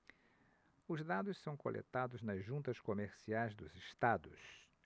os dados são coletados nas juntas comerciais dos estados